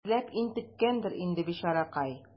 Эзләп интеккәндер инде, бичаракай.